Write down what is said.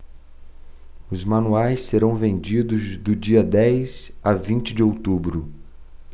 os manuais serão vendidos do dia dez a vinte de outubro